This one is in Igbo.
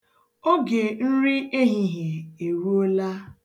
Oge nri ehihie eruola.